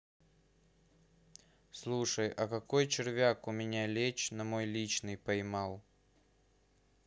слушай а какой червяк у меня лечь на мой личный поймал